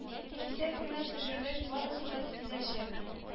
Кисәк кенә төшергәч барысы да сизеләчәк